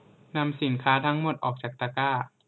นำสินค้าทั้งหมดออกจากตะกร้า